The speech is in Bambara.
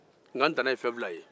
nka n tɛnɛ ye fɛn fila ye